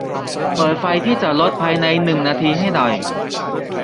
เปิดไฟที่จอดรถภายในหนึ่งนาทีให้หน่อย